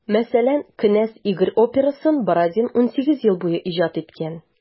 Мәсәлән, «Кенәз Игорь» операсын Бородин 18 ел буе иҗат иткән.